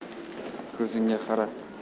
ko'zingga qara